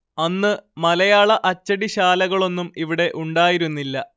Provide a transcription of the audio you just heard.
അന്ന് മലയാള അച്ചടിശാലകളൊന്നും ഇവിടെ ഉണ്ടായിരുന്നില്ല